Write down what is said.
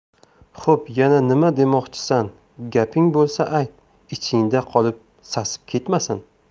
xo'p yana nima demoqchisan gaping bo'lsa ayt ichingda qolib sasib ketmasin